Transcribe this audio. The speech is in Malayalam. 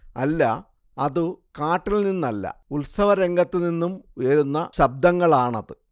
അല്ല അതു കാട്ടിൽ നിന്നല്ല ഉൽസവരംഗത്തുനിന്നും ഉയരുന്ന ശബ്ദങ്ങളാണത്